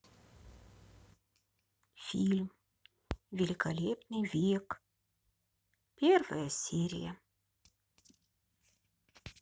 фильм великолепный век первая серия